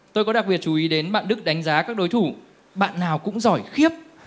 tôi có đặc biệt chú ý đến bạn đức đánh giá các đối thủ bạn nào cũng giỏi khiếp